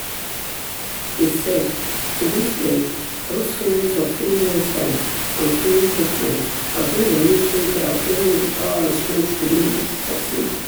He said: "To this day, those feelings of feeling less than, and feeling different, have been the real things that have given me the power and strength to be able to succeed."